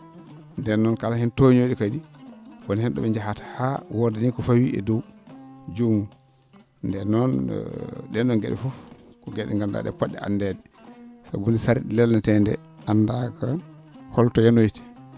nden noon kala heen tooñoy?o kadi woni heen ?o ?e njahata haa wooda nii ko fawii e dow jomum nden noon ?en ?on ge?e fof ko ge?e ?e nganndu?aa ?e po??e anndeede sabu no sar?ii lelnetende anndaaka holto yanoyta